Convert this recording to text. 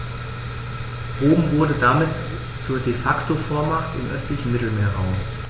Rom wurde damit zur ‚De-Facto-Vormacht‘ im östlichen Mittelmeerraum.